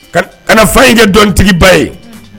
Kana fa in kɛ dɔnkilitigiba ye!